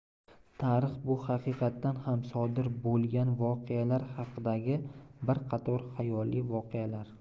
tarix bu haqiqatan ham sodir bo'lgan voqealar haqidagi bir qator xayoliy voqealar